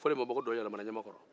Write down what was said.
ko fɔlen ma bɔ ko dɔn yɛlɛmana ɲama kɔrɔ